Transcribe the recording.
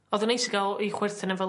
O'dd yn neis i ga'l i chwerthin efo...